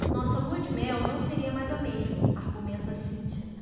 nossa lua-de-mel não seria mais a mesma argumenta cíntia